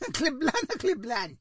Cleblan a Cleblan!